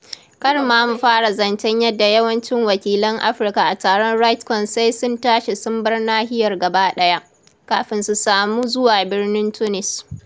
Kar ma mu fara zancen yadda yawancin wakilan Afirka a taron RightsCon sai sun tashi sun bar nahiyar gaba ɗaya, kafin su samu zuwa birnin Tunis.